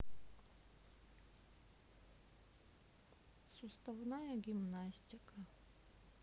суставная гимнастика